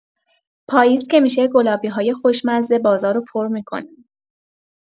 پاییز که می‌شه، گلابی‌های خوشمزه بازارو پر می‌کنن.